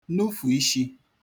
nufù ishī